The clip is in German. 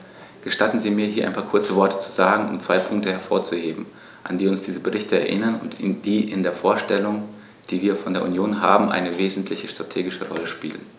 Gestatten Sie mir, hier ein paar kurze Worte zu sagen, um zwei Punkte hervorzuheben, an die uns diese Berichte erinnern und die in der Vorstellung, die wir von der Union haben, eine wesentliche strategische Rolle spielen.